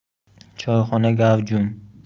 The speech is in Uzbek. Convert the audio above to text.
choyxona gavjum